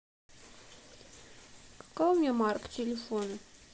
какая у меня марка телефона